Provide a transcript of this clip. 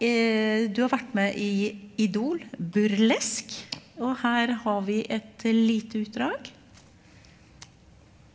du har vært med i Idol Burlesk og her har vi et lite utdrag.